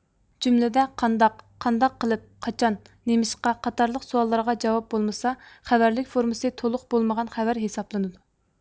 جۈملىدە قانداق قانداق قىلىپ قاچان نېمىشقا قاتارلىق سوئاللارغا جاۋاب بولمىسا خەۋەرلىك فورمىسى تولۇق بولمىغان خەۋەر ھېسابلىنىدۇ